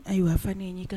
Ayiwa a fa ne ye ɲɛ kan